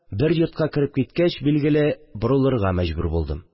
Бер йортка кереп киткәч, билгеле, борылырга мәҗбүр булдым